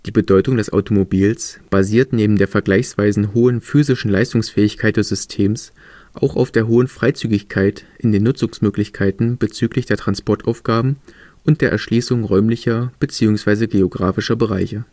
Bedeutung des Automobils basiert neben der vergleichsweise hohen physischen Leistungsfähigkeit des Systems auch auf der hohen Freizügigkeit in den Nutzungsmöglichkeiten bezüglich der Transportaufgaben und der Erschließung räumlicher bzw. geografischer Bereiche